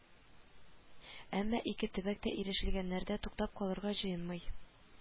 Әмма ике төбәк тә ирешелгәннәрдә туктап калырга җыенмый